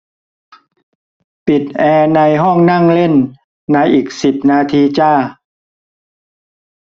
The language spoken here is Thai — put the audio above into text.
ปิดแอร์ในห้องนั่งเล่นในอีกสิบนาทีจ้า